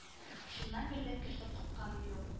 Шуннан бирле керфек какканым юк